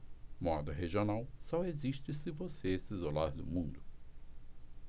moda regional só existe se você se isolar do mundo